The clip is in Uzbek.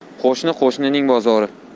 qo'shni qo'shnining bozori